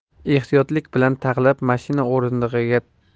ehtiyotlik bilan taxlab mashina o'rindig'iga